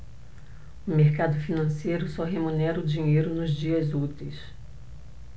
o mercado financeiro só remunera o dinheiro nos dias úteis